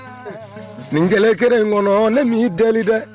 Nin kɛlɛkɛ in kɔnɔ ne min i deli dɛ